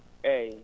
eyyi